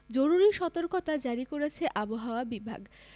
জরুরি সতর্কতা জারি করেছে আবহাওয়া বিভাগ